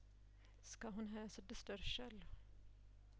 እስካሁን ሀያስድስት ደርሻለሁ